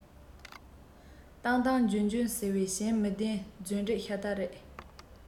བཏང བཏང འཇོན འཇོན ཟེར བ བྱིངས མི བདེན རྫུན སྒྲིག ཤ སྟག ཡིན